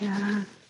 Ia.